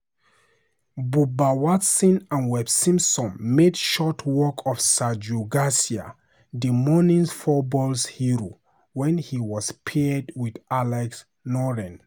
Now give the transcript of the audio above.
Bubba Watson and Webb Simpson made short work of Sergio Garcia, the morning's fourballs hero, when he was paired with Alex Noren.